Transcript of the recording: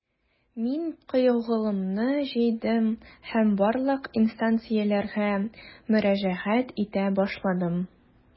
Мин кыюлыгымны җыйдым һәм барлык инстанцияләргә мөрәҗәгать итә башладым.